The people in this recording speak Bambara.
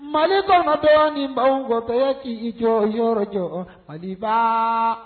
Mali bamatɔ ni bawkɔtɔya k' jɔyɔrɔ jɔ hali fa